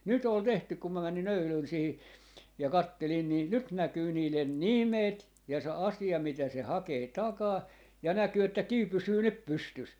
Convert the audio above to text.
nyt oli tehty kun minä menin eilen siihen ja katselin niin nyt näkyy niiden nimet ja se asia mitä se hakee takaa ja näkyy että kivi pysyy nyt pystyssä